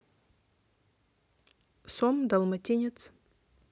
сом далматинец